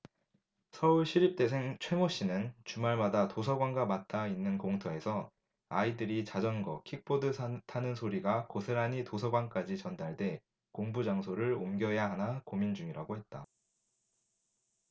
서울시립대생 최모씨는 주말마다 도서관과 맞닿아 있는 공터에서 아이들이 자전거 킥보드 타는 소리가 고스란히 도서관까지 전달돼 공부장소를 옮겨야 하나 고민 중이라고 했다